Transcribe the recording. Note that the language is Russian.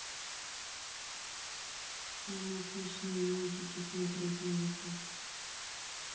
самые смешные мультики смотреть на ютуб